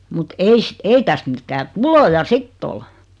mutta - ei tästä mitään tuloja sitten ollut